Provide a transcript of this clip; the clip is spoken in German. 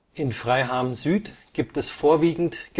In Freiham-Süd gibt es vorwiegend Gewerbebetriebe